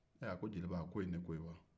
ɛ jeliba o ye ne ko ye wa